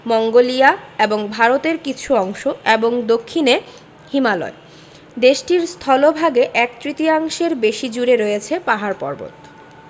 Mongolia এবং ভারতের কিছু অংশ এবং দক্ষিনে হিমালয় দেশটির স্থলভাগে এক তৃতীয়াংশের বেশি জুড়ে রয়ছে পাহাড় পর্বত